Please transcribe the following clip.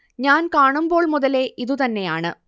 ഞാൻ കാണുമ്പോൾ മുതലേ ഇതു തന്നെയാണ്